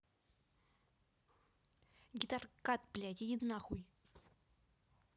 guitar cut блядь иди нахуй